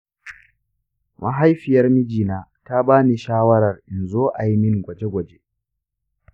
mahaifiyar mijina ta ba ni shawarar in zo a yi min gwaje-gwaje.